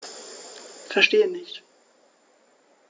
Verstehe nicht.